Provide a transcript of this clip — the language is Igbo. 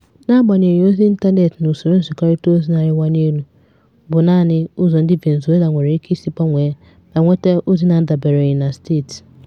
N'agbanyeghị ozi ịntanetị na usoro nzikọrịta ozi na-arịwanye elu bụ naanị ụzọ ndị Venezuelan nwere ike isi gbanwee ma nweta ozi na-adabereghị na steeti.